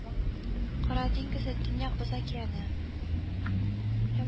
Кара диңгезе, Төньяк Боз океаны